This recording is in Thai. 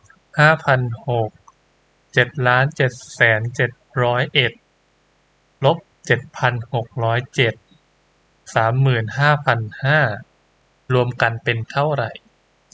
ห้าพันหกเจ็ดล้านเจ็ดแสนเจ็ดร้อยเอ็ดลบเจ็ดพันหกร้อยเจ็ดสามหมื่นห้าพันห้ารวมกันเป็นเท่าไหร่